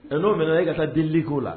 Ɛ n'o minɛ e ka taa dieliko la